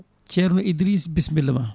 ceerno Idrissa bisimilla